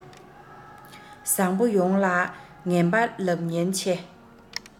བཟང པོ ཡོངས ལ ངན པ ལབ ཉེན ཆེ